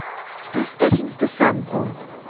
поставь инстасамку